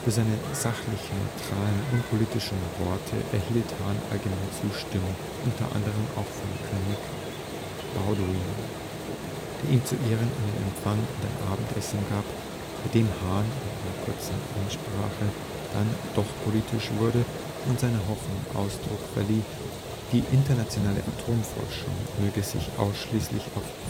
seine sachlich-neutralen, unpolitischen Worte erhielt Hahn allgemeine Zustimmung, unter anderem auch von König Baudouin, der ihm zu Ehren einen Empfang und ein Abendessen gab, bei dem Hahn in einer kurzen Ansprache dann doch politisch wurde und seiner Hoffnung Ausdruck verlieh, die „ internationale Atomforschung möge sich ausschließlich auf